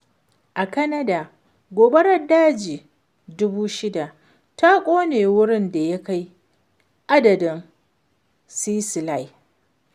A Canada, gobarar daji 6,000 ta ƙone wurin da ya kai adadin Sicily.